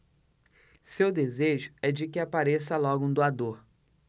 seu desejo é de que apareça logo um doador